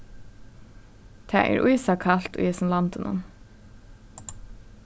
tað er ísakalt í hesum landinum